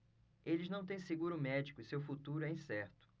eles não têm seguro médico e seu futuro é incerto